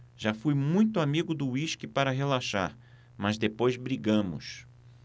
já fui muito amigo do uísque para relaxar mas depois brigamos